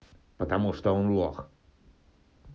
потому что он лох